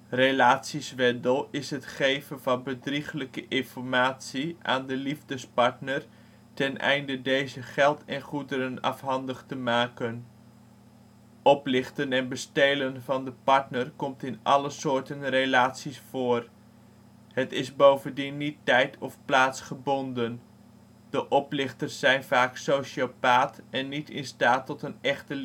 Relatiezwendel is het geven van bedrieglijke informatie aan de liefdespartner teneinde deze geld en goederen afhandig te maken. Oplichten en bestelen van de partner komt in alle soorten relaties voor. Het is bovendien niet tijd - of plaatsgebonden. De oplichters zijn vaak sociopaat en niet in staat tot een echte liefdesrelatie